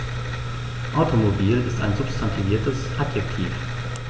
Automobil ist ein substantiviertes Adjektiv.